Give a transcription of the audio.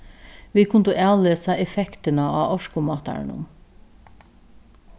vit kundu avlesa effektina á orkumátaranum